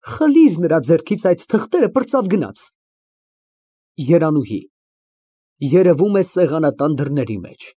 Խլիր նրա ձեռքից այդ թղթերը, պրծավ գնաց։ ԵՐԱՆՈՒՀԻ ֊ (Երևում է սեղանատան դռների մեջ)։